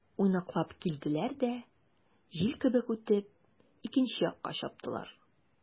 Уйнаклап килделәр дә, җил кебек үтеп, икенче якка чаптылар.